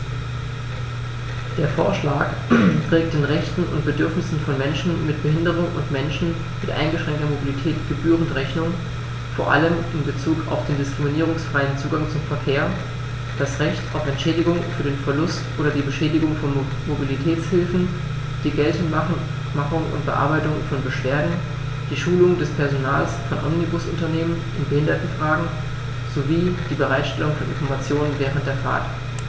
Der Vorschlag trägt den Rechten und Bedürfnissen von Menschen mit Behinderung und Menschen mit eingeschränkter Mobilität gebührend Rechnung, vor allem in Bezug auf den diskriminierungsfreien Zugang zum Verkehr, das Recht auf Entschädigung für den Verlust oder die Beschädigung von Mobilitätshilfen, die Geltendmachung und Bearbeitung von Beschwerden, die Schulung des Personals von Omnibusunternehmen in Behindertenfragen sowie die Bereitstellung von Informationen während der Fahrt.